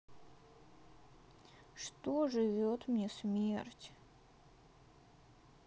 что живет мне смерть